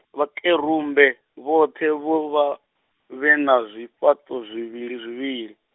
Vhakerumbe vhoṱhe vho vha, vhena zwifhaṱo zwivhilizwivhili.